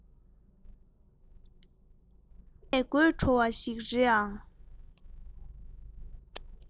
དངོས གནས དགོད བྲོ བ ཞིག རེད